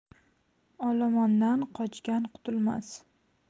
olomondan qochgan qutulmas